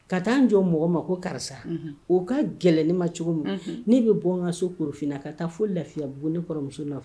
Ka taa jɔ mɔgɔ ma ko karisa o ka gɛlɛnin ma cogo min ne bɛ bɔ n ka so korofinna ka taa fo lafiya bon ne kɔrɔmuso